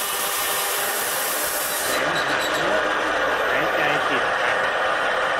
เสมหะเยอะหายใจติดขัด